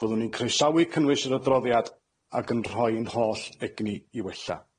Fyddwn ni'n croesawu cynnwys yr adroddiad, ac yn rhoi'n holl egni i wella.